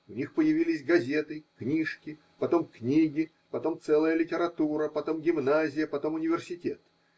У них появились газеты, книжки, потом книги, потом целая литература, потом гимназия, потом университет.